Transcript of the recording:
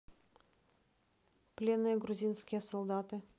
пленные грузинские солдаты